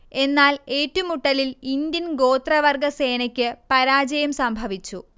എന്നാൽ ഏറ്റുമുട്ടലിൽ ഇന്ത്യൻ ഗോത്രവർഗ സേനയ്ക്ക് പരാജയം സംഭവിച്ചു